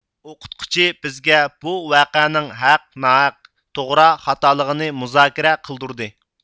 ئوقۇتقۇچى بىزگە بۇ ۋەقەنىڭ ھەق ناھەق توغرا خاتالىقىنى مۇزاكىرە قىلدۇردى